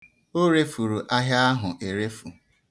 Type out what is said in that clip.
O refuru ahịa ahụ erefu.